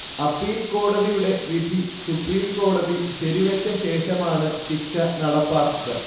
appeal കോടതിയുടെ വിധി സുപ്രീംകോടതി ശരിവെച്ച ശേഷമാണ് ശിക്ഷ നടപ്പാക്കുക